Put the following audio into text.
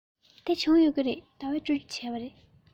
དེ བྱུང ཡོད ཀྱི རེད ཟླ བས སྤྲོད རྒྱུ བྱས པ རེད